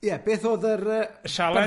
Ie, beth oedd yr yy sialan oedd?